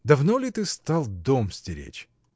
— Давно ли ты стал дом стеречь?